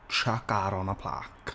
Chuck that on a plaque.